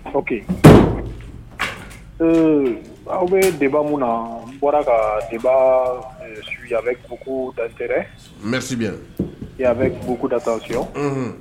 Ke ee aw bɛ deba minnu na n bɔra kabugu datɛɛrɛ msibi bɛbugu data fi